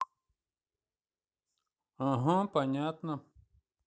угу понятно